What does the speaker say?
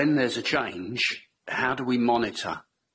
When there's a change, how do we monitor?